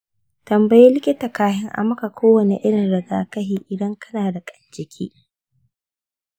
tambayi likita kafin a maka kowane irin rigakafi idan kana da ƙan-jiki.